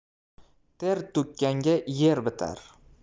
ter to'kkanga yer bitar